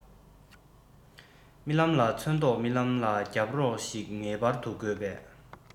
རྨི ལམ ལ ཚོན མདོག རྨི ལམ ལ རྒྱབ རོགས ཤིག ངེས པར དུ དགོས པས